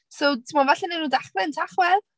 So, timod, falle wnawn nhw ddechrau'n Tachwedd.